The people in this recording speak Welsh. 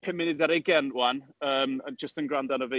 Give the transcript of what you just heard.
Pum munud ar ugain 'wan, yym, yn jyst yn gwrando arno fi.